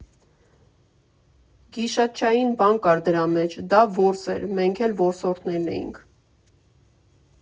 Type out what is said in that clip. Գիշատչային բան կար դրա մեջ, դա որս էր, մենք էլ որսորդներ էինք։